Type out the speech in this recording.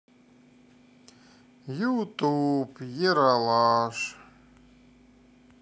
ютуб ералаш